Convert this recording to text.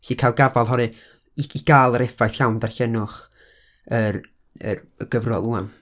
allu cael gafal. Oherwydd, i- i gael yr effaith llawn, darllenwch yr, yr, y gyfrol 'wan.